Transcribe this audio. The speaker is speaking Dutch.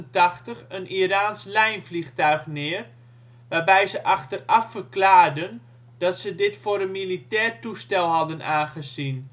1988 een Iraans lijnvliegtuig neer, waarbij ze achteraf verklaarden dat ze dit voor een militair toestel hadden aangezien